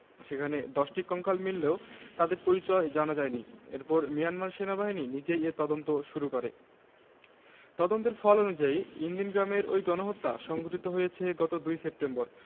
এমনকি মিয়ানমারে মানবাধিকারবিষয়ক জাতিসংঘের বিশেষ দূত ইয়াংহি লির সফর পরিকল্পনাও আটকে দিয়েছে ইয়াংহি লি রোহিঙ্গাদের কাছ থেকে